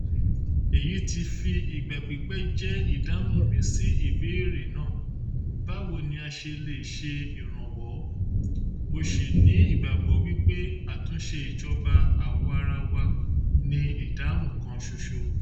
Èyí ti fi ìgbà pípẹ́ jẹ́ ìdáhùn mi sí ìbéèrè náà "báwo ni a ṣe lè ṣe ìrànwọ́?" Mo ṣì ní ìgbàgbọ́ wípé [àtúnṣe ìjọba àwa-arawa] ni ìdáhùn kan ṣoṣo.